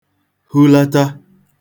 hulata